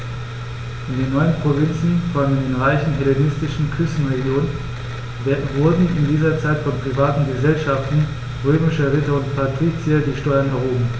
In den neuen Provinzen, vor allem in den reichen hellenistischen Küstenregionen, wurden in dieser Zeit von privaten „Gesellschaften“ römischer Ritter und Patrizier die Steuern erhoben.